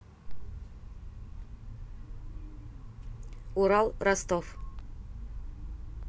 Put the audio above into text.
урал ростов